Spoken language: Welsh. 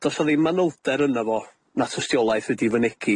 Do's 'a ddim manylder yn'o fo, na tystiolaeth wedi ei fynegi.